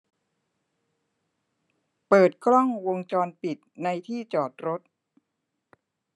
เปิดกล้องวงจรปิดในที่จอดรถ